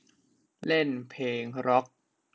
เล่นเพลงร็อค